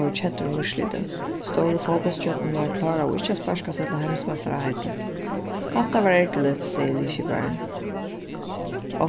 vóru keddir um úrslitið stóru fótbóltsstjørnurnar kláraðu ikki at sparka seg til heimsmeistaraheitið hatta var ergiligt segði liðskiparin